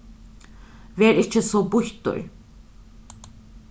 ver ikki so býttur